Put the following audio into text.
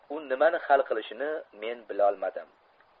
u nimani hal qilishini men bilolmadim